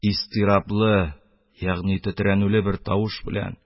Истеряплы ягни тетрәнүле бер тавыш белән: -